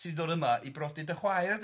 sy'n dod yma i briodi dy chwaer di.